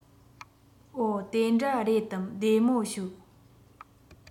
འོ དེ འདྲ རེད དམ བདེ མོ བྱོས